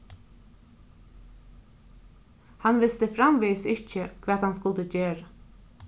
hann visti framvegis ikki hvat hann skuldi gera